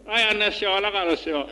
A y'a na se ala k'a se wa